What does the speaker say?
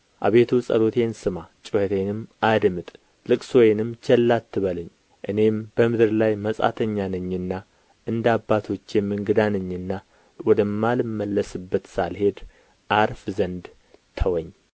አቤቱ ጸሎቴን ስማ ጩኸቴንም አድምጥ ልቅሶዬንም ቸል አትበለኝ እኔ በምድር ላይ መጻተኛ ነኝና እንደ አባቶችም እንግዳ ነኝና ወደማልመለስበት ሳልሄድ ዐርፍ ዘንድ ተወኝ